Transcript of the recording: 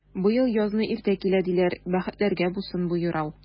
Быел язны иртә килә, диләр, бәхетләргә булсын бу юрау!